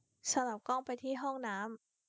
สลับกล้องไปที่ห้องน้ำ